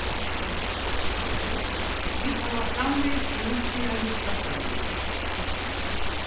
vit hava framvegis brúk fyri at rudda føroyar